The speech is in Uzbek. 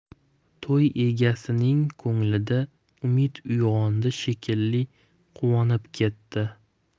to'y egasining ko'nglida umid uyg'ondi shekilli quvonib ketdi